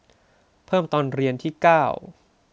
เพิ่มตอนเรียนที่เก้า